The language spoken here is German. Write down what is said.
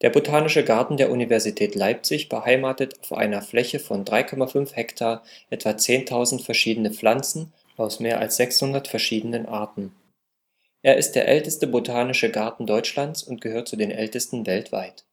Botanische Garten der Universität Leipzig beheimatet auf einer Fläche von 3,5 Hektar etwa 10.000 verschiedene Pflanzen aus mehr als 600 verschiedenen Arten. Er ist der älteste Botanische Garten Deutschlands und gehört zu den ältesten weltweit